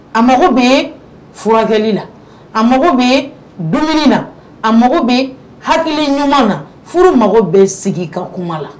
A mago bɛ yen furakɛjɛli la a mago bɛ yen dumuni na a mago bɛ yen hakili ɲuman na furu mago bɛ sigi ka kuma na